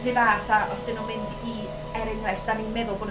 'run fath a os 'dyn nhwn mynd i er enghraifft 'dan ni'n meddwl bo' nw